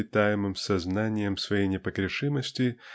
питаемым сознанием своей непогрешимости